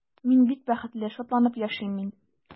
Мин бик бәхетле, шатланып яшим мин.